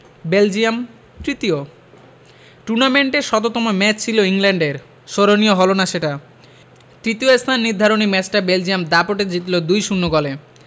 Belgium তৃতীয় টুর্নামেন্টে শততম ম্যাচ ছিল ইংল্যান্ডের স্মরণীয় হলো না সেটা তৃতীয় স্থান নির্ধারণী ম্যাচটা বেলজিয়াম দাপটে জিতল ২ ০ গোলে